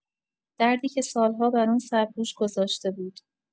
دردی که سال‌ها بر آن سرپوش گذاشته بود.